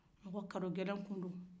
mɔgɔ kana gɛlɛn kun do